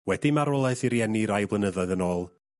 Wedi marwolaeth ei rieni rai blynyddoedd yn ôl